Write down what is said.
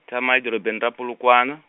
tama edorobeni ra Polokwane.